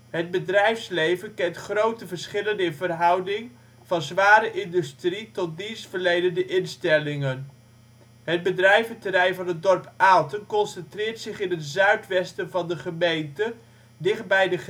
Het bedrijfsleven kent grote verschillen in verhouding, van zware industrie tot dienstverlenende instellingen. Het bedrijventerrein van het dorp Aalten concentreert zich in het zuidwesten van de gemeente, dichtbij de